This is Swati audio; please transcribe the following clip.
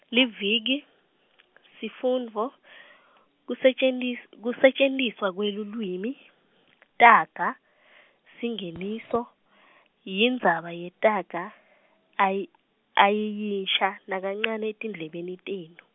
liviki, Sifundvo, kusetjentis-, Kusetjentiswa kwelulwimi, Taga, Singeniso , Indzaba yetaga ayi ayiyinsha nakancane etindlebeni tenu.